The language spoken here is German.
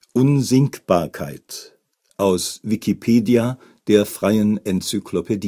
Unsinkbarkeit, aus Wikipedia, der freien Enzyklopädie